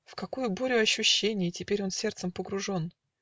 В какую бурю ощущений Теперь он сердцем погружен!